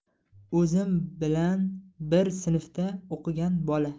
o'zim bilan bir sinfda o'qigan bola